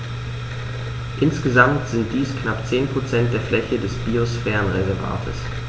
Insgesamt sind dies knapp 10 % der Fläche des Biosphärenreservates.